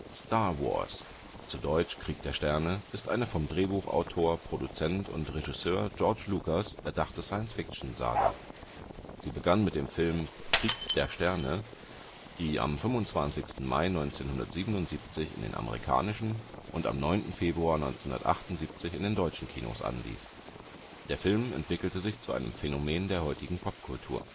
Star Wars (dt. Krieg der Sterne) ist eine vom Drehbuchautor, Produzent und Regisseur George Lucas erdachte Science-Fiction-Saga. Sie begann mit dem Film Krieg der Sterne, der am 25. Mai 1977 in den amerikanischen und am 9. Februar 1978 in den deutschen Kinos anlief. Der Film entwickelte sich zu einem Phänomen der heutigen Popkultur